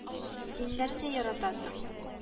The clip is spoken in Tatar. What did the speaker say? Син нэрсэ яратасың